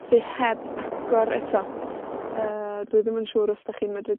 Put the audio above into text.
sy heb agor eto, yy dwi ddim yn siŵr os 'dych chi'n medru